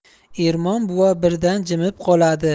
ermon buva birdan jimib qoladi